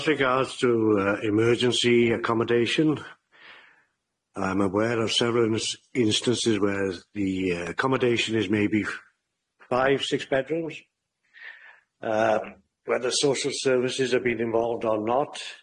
As regards to yy emergency accommodation I'm aware of several ins- instances where the yy accommodation is maybe f- five six bedrooms yy where the social services have been involved or not.